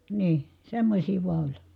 niin semmoisia vain oli